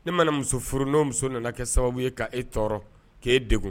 Ne mana muso furu n'o muso nana kɛ sababu ye'e tɔɔrɔ k'e deg